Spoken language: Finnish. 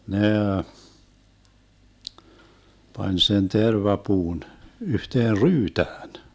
ne pani sen tervapuun yhteen ryytään